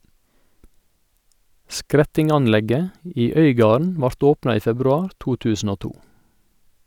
Skretting-anlegget i Øygarden vart åpna i februar 2002.